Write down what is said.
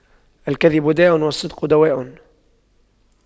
الكذب داء والصدق دواء